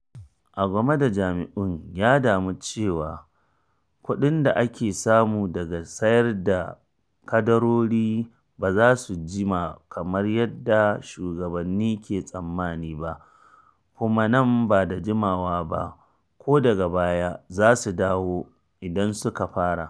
A game da majami’un, ya damu cewa kuɗin da ake samu daga sayar da kadarori ba za su jima kamar yadda shugabanni ke tsammani ba, “kuma nan ba da jimawa ba ko daga baya za su dawo idan suka fara.”